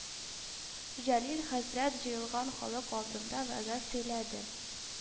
Җәлил хәзрәт җыелган халык алдында вәгазь сөйләде